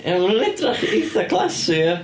Ia, maen nhw'n edrych eitha classy ia.